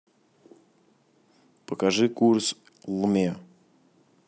покажи курс лме